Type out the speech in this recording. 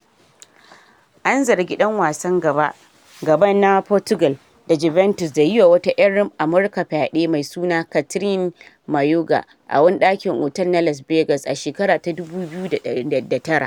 An zargi dan wasan gaban na Portugal da Juventus da yi wa wata mata ‘yar Amurka fyaɗe, mai suna Kathryn Mayorga, a wani dakin otel na Las Vegas a 2009.